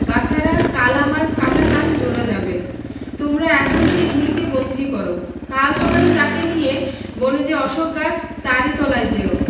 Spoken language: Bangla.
বাছারা কাল আমার কাটা কান জোড়া যাবে তোমরা এখন সেই ঢুলিকে বন্দী কর কাল সকালে তাকে নিয়ে বনে যে অশ্বখ গাছে তারই তলায় যেও